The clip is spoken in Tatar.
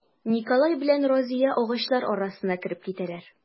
Николай белән Разия агачлар арасына кереп китәләр.